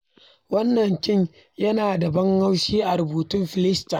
Wannan kin yana da ban haushi, a rubutun Fleischer.